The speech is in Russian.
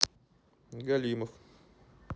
галимов